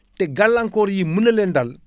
te gàllankoor yi mun na leen dal